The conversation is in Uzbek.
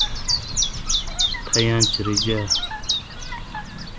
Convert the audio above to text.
tayanch reja